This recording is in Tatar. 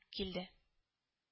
Килде